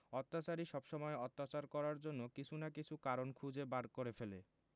অত্যাচারী সবসময়ই অত্যাচার করার জন্য কিছু না কিছু কারণ খুঁজে বার করে ফেলে